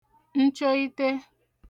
nchoite